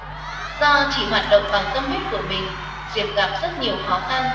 do chỉ hoạt động bằng tâm huyết của mình diệp gặp rất nhiều khó khăn